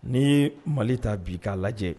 N'i ye Mali ta bi k'a lajɛ